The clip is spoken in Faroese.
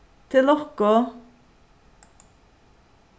til lukku